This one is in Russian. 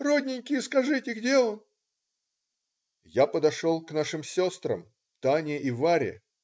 Родненькие, скажите, где он?" Я подошел к нашим сестрам: Тане и Варе.